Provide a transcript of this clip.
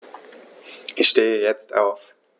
Ich stehe jetzt auf.